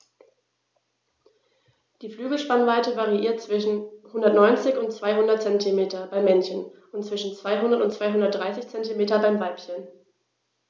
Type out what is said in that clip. Die Flügelspannweite variiert zwischen 190 und 210 cm beim Männchen und zwischen 200 und 230 cm beim Weibchen.